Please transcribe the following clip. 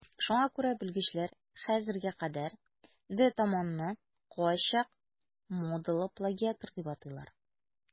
Шуңа күрә белгечләр хәзергә кадәр де Томонны кайчак модалы плагиатор дип атыйлар.